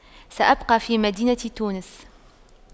سأبقى في مدينة تونس